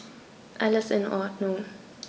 Alles in Ordnung.